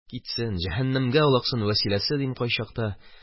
Китсен, җәһәннәмгә олаксын Вәсиләсе, дим кайчакта.